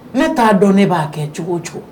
Ne taaraa dɔn ne b'a kɛ cogo o cogo